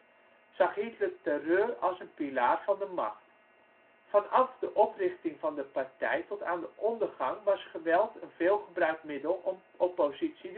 terreur als een pilaar van de macht. Vanaf de oprichting van de partij tot aan de ondergang was geweld een veelgebruikt middel om oppositie